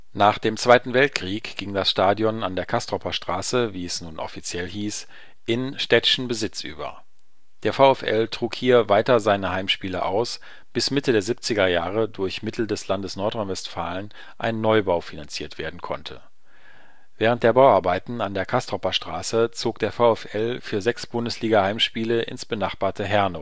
Nach dem Zweiten Weltkrieg ging das Stadion an der Castroper Straße, wie es nun offiziell hieß, in städtischen Besitz über. Der VfL trug hier weiter seine Heimspiele aus, bis Mitte der 70er Jahre durch Mittel des Landes Nordrhein-Westfalen ein Neubau finanziert werden konnte. Während der Bauarbeiten an der Castroper Straße zog der VfL für sechs Bundesliga-Heimspiele ins benachbarte Herne